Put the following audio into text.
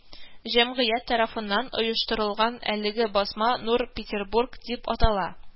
Җәмгыять тарафыннан оештырылган әлеге басма –«Нур Петербург» дип атала